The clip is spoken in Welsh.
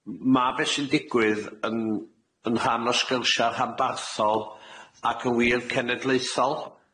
M- ma' be' sy'n digwydd yn yn rhan o sgyrsia rhanbarthol, ac yn wir, cenedlaethol.